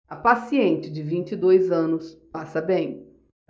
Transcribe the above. a paciente de vinte e dois anos passa bem